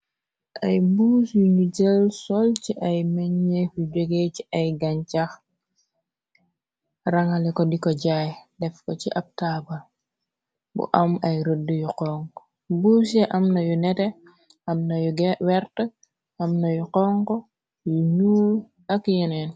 ay buus yu nu jël sol ci ay mëneef yu joge ci ay gancax rangale ko di ko jaay def ko ci abtaaba bu am ay rëdd yu xong buus yi amna yu nete amna yu wert am na yu xong yi nuu ak yeneen